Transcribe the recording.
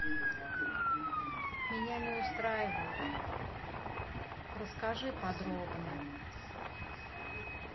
меня не устраивает расскажи подробно